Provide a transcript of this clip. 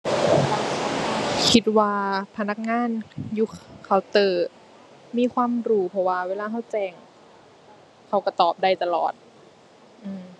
คิดว่าพนักงานอยู่เคาน์เตอร์มีความรู้ เพราะว่าเวลาเราแจ้งเขาเราตอบได้ตลอด อื้อ